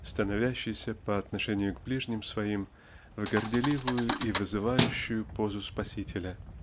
становящийся по отношению к ближним своим в горделивую и вызывающую позу спасителя